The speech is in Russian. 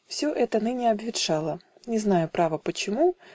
Все это ныне обветшало, Не знаю, право, почему